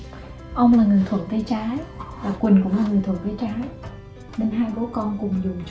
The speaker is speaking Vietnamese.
ông là người thuận tay trái và quỳnh cũng là người thuận tay trái nên hai bố con cùng dùng chung